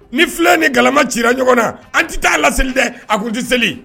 Ni filɛ ni galama cira ɲɔgɔn na an tɛ taa la seli dɛ a kun tɛ seli